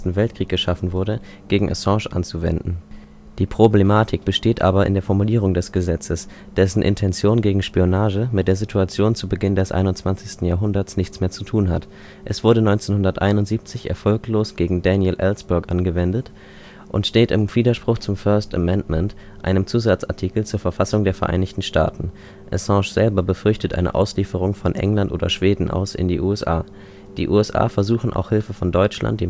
Weltkrieg geschaffen wurde, gegen Assange anzuwenden. Die Problematik besteht aber in der Formulierung des Gesetzes, dessen Intention gegen Spionage mit der Situation zu Beginn des 21. Jahrhunderts nichts mehr zu tun hat. Es wurde 1971 erfolglos gegen Daniel Ellsberg angewendet und steht im Widerspruch zum First Amendment, einem Zusatzartikel zur Verfassung der Vereinigten Staaten. Assange selber befürchtet eine Auslieferung von England oder Schweden aus in die USA. Die USA versuchen auch Hilfe von Deutschland